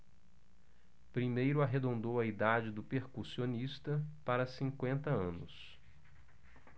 primeiro arredondou a idade do percussionista para cinquenta anos